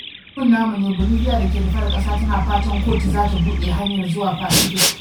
‘Tekun namu ne’: Bolivia da ke rufe da ƙasa tana fatan kotu za ta buɗe hanyar zuwa Pacific